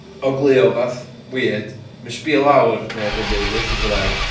ogleuo wbath weird ma' sbïo lawr neu fyny neu lle bynnag